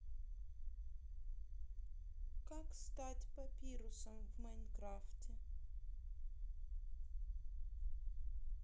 как стать папирусом в майнкрафте